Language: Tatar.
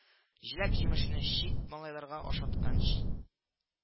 Җиләк-җимешне чит малайларга ашатканч